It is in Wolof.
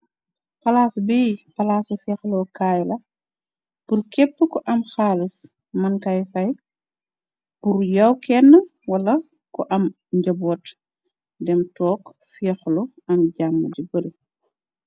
Palas bii palas ci feklokaye la pour keppou kou am kalis